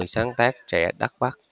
sáng tác trẻ đất bắc